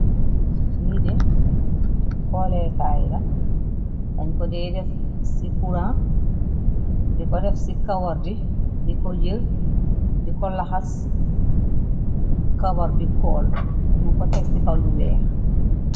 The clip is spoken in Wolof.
Leede koole kaay la.Deñ ko dey def ci kurang di ko def ci kawar bi. Diko jël diko laxas kawar bi kool. Nyun ko tek si kaw lu weex.